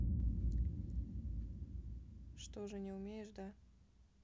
что же не умеешь да